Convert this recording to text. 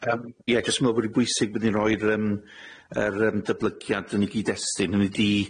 Yym ie, jys' me'wl bod e'n bwysig bod ni'n roi'r yym yr yym datblygiad yn ei gyd-destun, hynny ydi